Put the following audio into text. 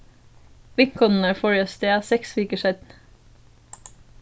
vinkonurnar fóru avstað seks vikur seinni